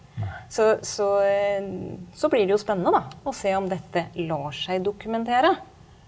så så så blir det jo spennende da å se om dette lar seg dokumentere.